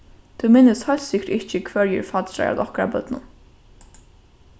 tú minnist heilt sikkurt ikki hvørji eru faddrar at okkara børnum